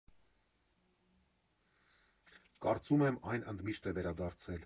Կարծում եմ՝այն ընդմիշտ է վերադարձել։